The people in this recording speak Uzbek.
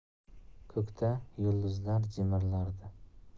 ko'kda yulduzlar jimirlardi